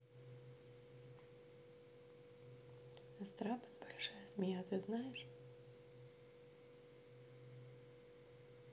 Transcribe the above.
страбон большая змея ты знаешь